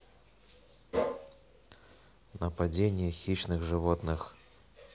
нападение хищных животных